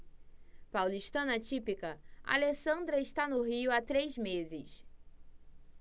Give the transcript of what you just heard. paulistana típica alessandra está no rio há três meses